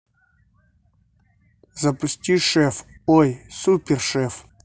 запусти шеф ой супер шеф